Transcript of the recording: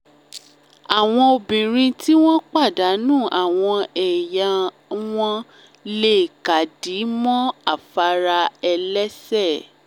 Àwọn obìnrin tí wọn pàdánù àwọn èèyàn wọn le káàdì mọ́ afárá-ẹlẹ́sẹ̀.